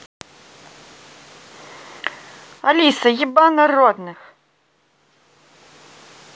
алиса еба народных